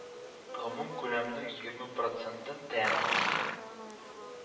Гомум күләмнең егерме процентын тәэмин иткән